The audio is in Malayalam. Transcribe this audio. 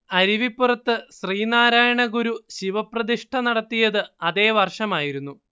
അരുവിപ്പുറത്തു ശ്രീനാരായണഗുരു ശിവപ്രതിഷ്ഠ നടത്തിയതു അതേ വർഷമായിരുന്നു